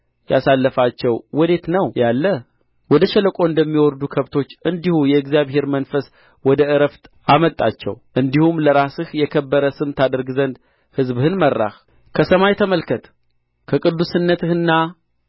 ያሳለፋቸው ወዴት ነው ያለ ወደ ሸለቆ እንደሚወርዱ ከብቶች እንዲሁ የእግዚአብሔር መንፈስ ወደ ዕረፍት አመጣቸው እንዲሁም ለራስህ የከበረ ስም ታደርግ ዘንድ ሕዝብን መራህ ከሰማይ ተመልከት ከቅዱስነትህና